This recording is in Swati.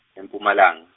e- Mpumalanga.